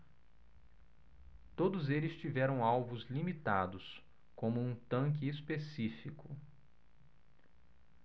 todos eles tiveram alvos limitados como um tanque específico